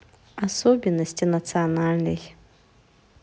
особенности национальной